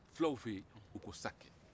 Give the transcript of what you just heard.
filaw fɛ yen u ko sake